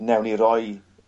newn ni roi...